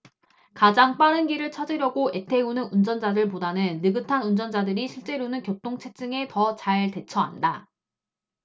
가장 빠른 길을 찾으려고 애태우는 운전자들보다는 느긋한 운전자들이 실제로는 교통 체증에 더 잘 대처한다